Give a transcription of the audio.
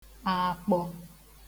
akpọ